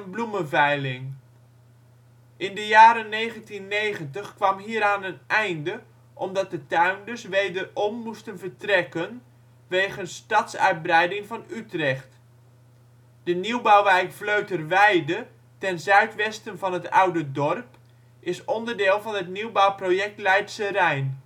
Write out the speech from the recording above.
bloemenveiling. In de jaren 1990 kwam hieraan een einde, omdat de tuinders (wederom) moesten vertrekken wegens stadsuitbreiding van Utrecht. De nieuwbouwwijk Vleuterweide ten zuidwesten van het oude dorp, is onderdeel van het nieuwbouwproject Leidsche Rijn